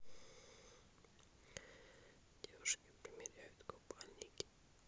девушки примеряют купальники